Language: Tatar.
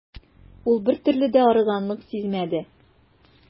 Ул бертөрле дә арыганлык сизмәде.